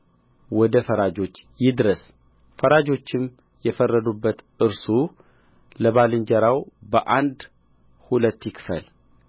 ወደ ፈራጆች ይድረስ ፈራጆቹም የፈረዱበት እርሱ ለባልንጀራው በአንድ ሁለት ይክፈል